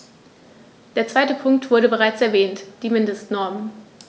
Der zweite Punkt wurde bereits erwähnt: die Mindestnormen.